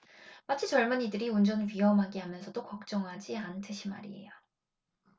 마치 젊은이들이 운전을 위험하게 하면서도 걱정하지 않듯이 말이에요